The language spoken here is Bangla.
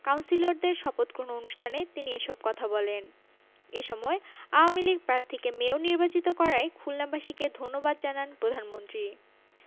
কাউন্সিলরদের শপথগ্রহণ অনুষ্ঠানে তিনি এসব কথা বলেন এ সময় আওয়ামী লীগ প্রার্থীকে মেয়র নির্বাচিত করায় খুলনাবাসীকে ধন্যবাদ জানান প্রধানমন্ত্রী